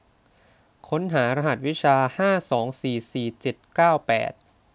ค้นหารหัสวิชาห้าสองสี่สี่เจ็ดเก้าแปด